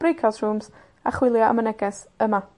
Brakeout Rooms, a chwilio am y neges yna.